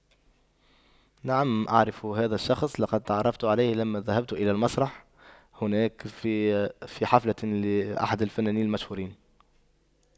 نعم أعرف هذا الشخص لقد تعرفت عليه لما ذهبت إلى المسرح هناك في في حفلة لاحد الفنانين المشهورين